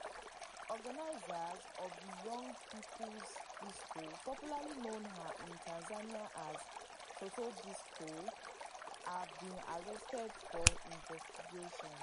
Organisers of the young people's disco popularly known in Tanzania as ‘Toto disco’ have been arrested for investigation.